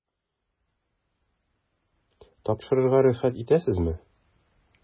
Тапшырырга рөхсәт итәсезме? ..